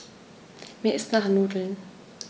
Mir ist nach Nudeln.